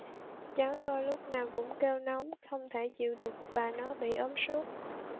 cháu tôi lúc nào cũng kêu nóng không thể chịu được và nó bị ốm suốt